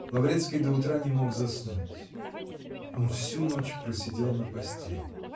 Лаврецкий до утра не мог заснуть; он всю ночь просидел на постели.